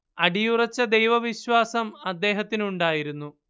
അടിയുറച്ച ദൈവവിശ്വാസം അദ്ദേഹത്തിനുണ്ടായിരുന്നു